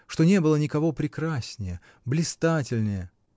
что не было никого прекраснее, блистательнее.